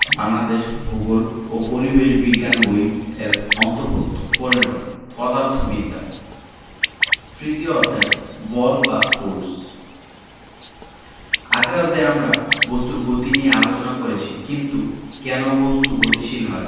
বাংলাদেশ ভূগোল ও পরিবেশ বিজ্ঞান বই এর অন্তর্ভুক্ত ১৫ পদার্থবিদ্যা তৃতীয় অধ্যায় বল বা ফোরস আগের অধ্যায়ে আমরা বস্তুর গতি নিয়ে আলোচনা করেছি কিন্তু কেন বস্তু গতিশীল হয়